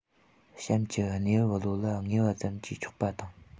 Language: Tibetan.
གཤམ གྱི གནས བབ བློ ལ ངེས པ ཙམ གྱིས ཆོག པ དང